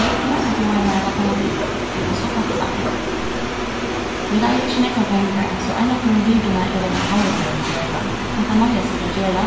blídni og bjóðaði mær eina panodil eg var so takksamur vit eiga ikki nógvar pengar so eina ferð um vikuna eta vit havragreyt til døgurða hetta noyðast vit at gera